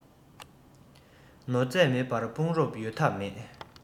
ནོར རྫས མེད པར དཔུང རོགས ཡོང ཐབས མེད